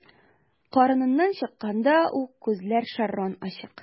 Карыныннан чыкканда ук күзләр шәрран ачык.